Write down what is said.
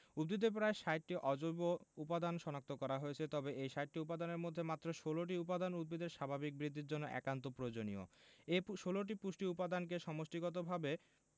উদ্ভিদে প্রায় ৬০টি অজৈব উপাদান শনাক্ত করা হয়েছে তবে এই ৬০টি উপাদানের মধ্যে মাত্র ১৬টি উপাদান উদ্ভিদের স্বাভাবিক বৃদ্ধির জন্য একান্ত প্রয়োজনীয় এ ১৬টি পুষ্টি উপাদানকে সমষ্টিগতভাবে